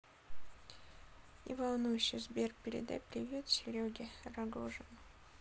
не волнуйся сбер передай привет сереге рогожину